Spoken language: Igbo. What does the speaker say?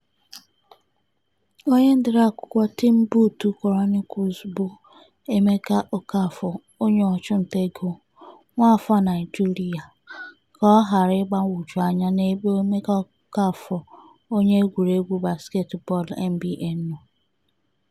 Onye dere akwụkwọ Timbuktu Chronicles bụ Emeka Okafor onye ọchụntaego, nwaafọ Naịjirịa, ka ọ ghara igbagwoju anya n'ebe Emeka Okafor onye egwuregwu basket bọọlụ NBA no.